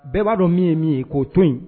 Bɛɛ b'a dɔn min ye min ye k'o to in